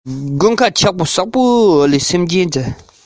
ཁམ བུ ཟས ནས བསྡད པའི